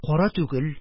Кара түгел,